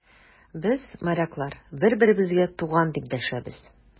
Без, моряклар, бер-беребезгә туган, дип дәшәбез.